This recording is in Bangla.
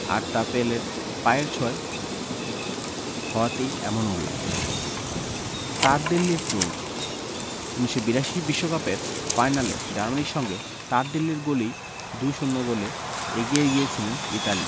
আর তা পেলের পায়ের ছোঁয়ায় হওয়াতেই এমন উল্লাস তারদেল্লির দৌড় ১৯৮২ বিশ্বকাপের ফাইনালে জার্মানির সঙ্গে তারদেল্লির গোলেই ২ ০ গোলে এগিয়ে গিয়েছিল ইতালি